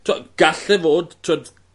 ...t'wo galle fod t'wod